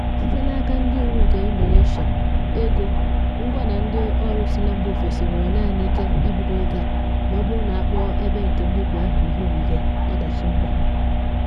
Site n’aka ndị iwu nke Indonesia, ego, ngwa na ndị ọrụ si na mba ofesi nwere naanị ike ibido ịga ma ọ bụrụ na akpọọ ebe nke mbibi ahụ ihe ogige ọdachi mba.